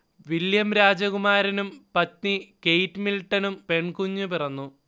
William രാജകുമാരനും പത്നി Kate മിൽടണും പെൺകുഞ്ഞ് പിറന്നു